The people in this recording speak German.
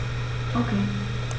Okay.